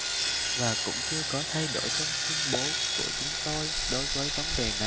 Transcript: và cũng chưa có thay đổi trong tuyên bố của chúng tôi đối với vấn đề này